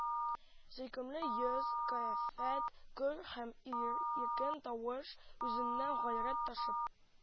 Сөйкемле йөз-кыяфәт, көр һәм иркен тавыш, үзеннән гайрәт ташып,